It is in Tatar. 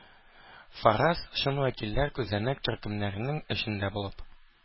Фараз - чын вәкилләр күзәнәк төркемнәренең эчендә булып...